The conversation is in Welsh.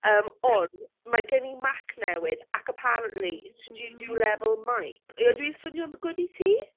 Yym, ond mae gen i Mac newydd ac apparently it's studio-level mic. Ydw i'n swnio'n good i ti?